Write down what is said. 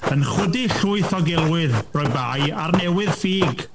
Yn chwydu llwyth o gelwydd, rhoi bai ar newydd ffug.